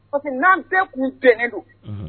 O n'an bɛɛ kun ntnen don